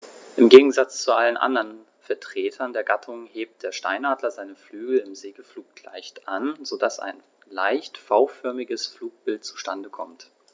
Im Gegensatz zu allen anderen Vertretern der Gattung hebt der Steinadler seine Flügel im Segelflug leicht an, so dass ein leicht V-förmiges Flugbild zustande kommt.